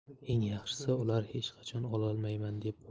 eng yaxshisi ular hech qachon qilolmayman